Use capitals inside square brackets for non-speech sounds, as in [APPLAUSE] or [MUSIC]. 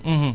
[HESITATION] [HESITATION]